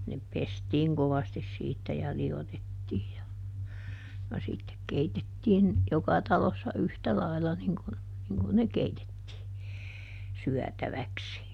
ne pestiin kovasti siitä ja liotettiin ja ja sitten keitettiin joka talossa yhtä lailla niin kuin niin kuin ne keitettiin syötäväksi